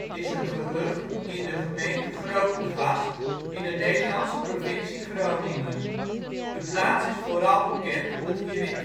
is een gehucht in de gemeente Grootegast in de Nederlandse provincie Groningen. De plaats is vooral bekend omdat hier in